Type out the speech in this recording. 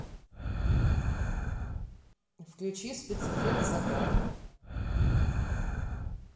включи спецэффект закат